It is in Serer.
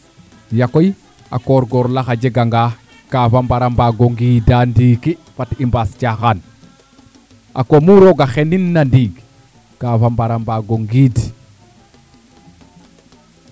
ya koy a korngorlax a jega nga kaafa mbara ngiida ndiiki fat i mbaas caxaan a kuma rooga xenin na ndiig kaafa mbara mbado ngiid